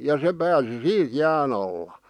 ja se pääsi siinä jään alla